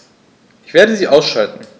Ich werde sie ausschalten